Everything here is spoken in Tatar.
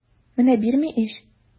Менә бирми ич!